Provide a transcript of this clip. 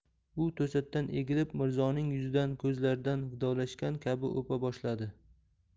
u to'satdan egilib mirzoning yuzidan ko'zlaridan vidolashgan kabi o'pa boshladi